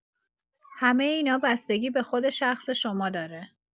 همه اینا بستگی به خود شخص شما داره.